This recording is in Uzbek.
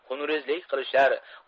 xunrezlik qilishar